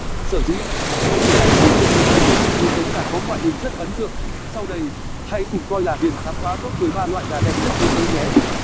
sở dĩ có điều này vì trên thế giới có một số giống gà có ngoại hình rất ấn tượng sau đây hãy cùng coi là ghiền khám phá top loại gà đẹp nhất thế giới nhé